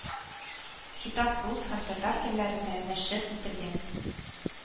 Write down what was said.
Китап рус һәм татар телләрендә нәшер ителгән